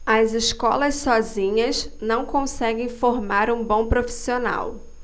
as escolas sozinhas não conseguem formar um bom profissional